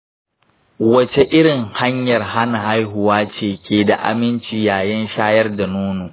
wacce irin hanyar hana haihuwa ce ke da aminci yayin shayar da nono?